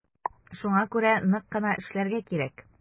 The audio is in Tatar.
Шуңа күрә нык кына эшләргә кирәк.